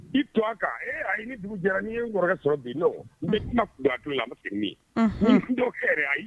Bi to kan a ye ni dugu jɛra n'i n kɔrɔkɛ sɔrɔ bi ne se min n